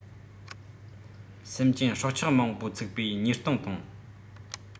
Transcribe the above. སེམས ཅན སྲོག ཆགས མང པོ འཚིགས པའི ཉེས ལྟུང དང